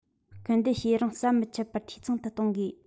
སྐུལ འདེད བྱེད རིང ཟམ མི ཆད པར འཐུས ཚང དུ གཏོང དགོས